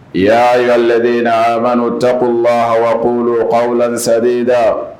Yaa yalaɛlɛdera ma ta ko wa waga ko'aw lasajida